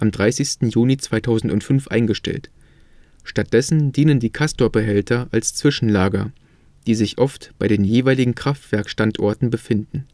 30. Juni 2005 eingestellt; stattdessen dienen die Castor-Behälter als Zwischenlager, die sich oft bei den jeweiligen Kraftwerkstandorten befinden